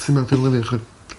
Ty' 'ma dwi lyfio chi.